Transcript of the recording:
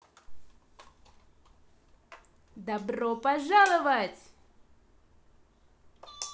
добро пожаловать